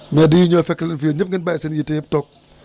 mais dañuy ñëw fekk leen fi yéen ñëpp ngeen bàyyi seen yite yëpp toog